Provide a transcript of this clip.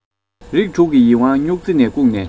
རིགས དྲུག གི ཡིད དབང སྨྱུག རྩེ ཡིས བཀུག ནས